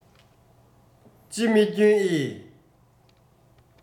ཅི མི སྐྱོན ཨེ